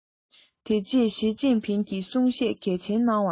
དེ རྗེས ཞིས ཅིན ཕིང གིས གསུང བཤད གལ ཆེན གནང བ རེད